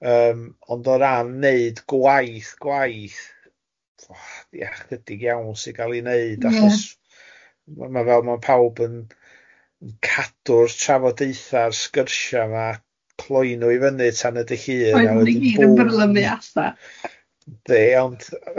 Yym ond o ran neud gwaith gwaith, yy ychydig iawn sy'n cael ei wneud... Ia. ....achos ma' ma' fel ma' pawb yn cadw'r trafodaetha'r sgyrsiau yma, cloi nhw i fyny tan y dy llun a wedyn bôn. Cloi nhw i gyd yn brylymu allan .